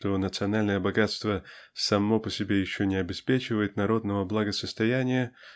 что национальное богатство само по себе еще не обеспечивает народного благосостояния